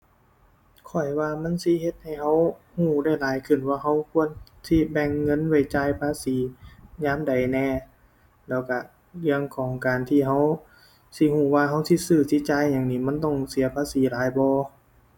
ข้อยว่ามันสิเฮ็ดให้เราเราได้หลายขึ้นว่าเราควรที่แบ่งเงินไว้จ่ายภาษียามใดแหน่ แล้วเราเรื่องของการที่เราสิเราว่าเราสิซื้อสิจ่ายหยังนี่มันต้องเสียภาษีหลายบ่ ⁠